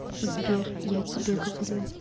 сбер я тебе говорю